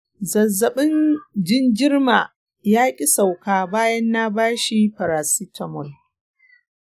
zazzaɓin jinjirina ya ƙi sauka bayan na ba shi paracetamol.